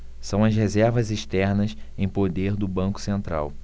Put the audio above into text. são as reservas externas em poder do banco central